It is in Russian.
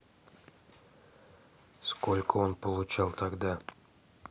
сколько он получал тогда